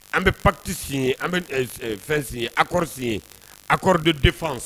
An bɛ pakiti sin ye an bɛ fɛnsin a sen a kɔrɔden defa